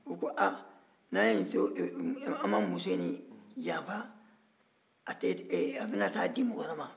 u ko a n'an ye muso in to yen n'an m'a janfa a bɛna taa a di maa wɛrɛ ma